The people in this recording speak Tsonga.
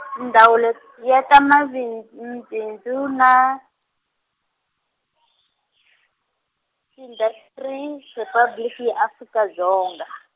Ndzawulo ya ta Mavi- Mabindzu na, Tiindastri Riphabliki ya Afrika Dzonga.